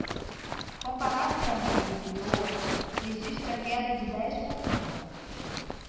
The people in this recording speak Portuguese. comparado com o mês anterior registra queda de dez por cento